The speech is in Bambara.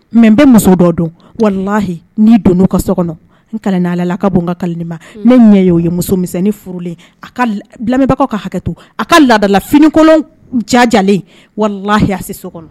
Mɛ n bɛ muso dɔ dɔn walahi n' don ka so kɔnɔ n kalan alala a ka don ma ne ɲɛ o ye musomisɛnsɛnnin furulen a kabagaw ka hakɛ to a ka laadadala finikolon jajalen walahi a se so kɔnɔ